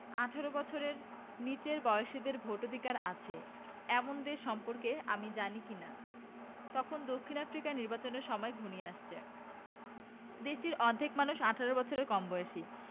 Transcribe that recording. ১৮ বছরের নিচের বয়সীদের ভোটাধিকার আছে এমন দেশ সম্পর্কে আমি জানি কি না তখন দক্ষিণ আফ্রিকায় নির্বাচনের সময় ঘনিয়ে আসছে দেশটির অর্ধেক মানুষ ১৮ বছরের কম বয়সী